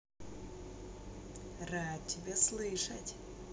рад тебя слышать